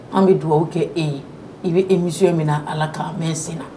An bɛ dugawu kɛ e ye i bɛ e misi min na ala k'an mɛn sen na